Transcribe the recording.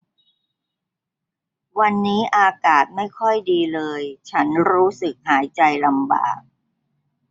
วันนี้อากาศไม่ค่อยดีเลยฉันรู้สึกหายใจลำบาก